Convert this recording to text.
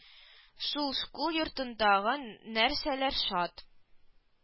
Шул шкул йортындагы нәрсәләр шат